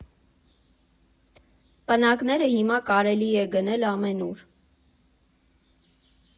Պնակները հիմա կարելի է գնել ամենուր։